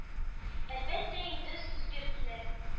Әлбәттә инде, сүз бирделәр.